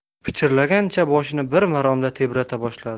pichirlagancha boshini bir maromda tebrata boshladi